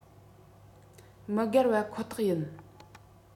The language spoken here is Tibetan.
མི བརྒལ བ ཁོ ཐག ཡིན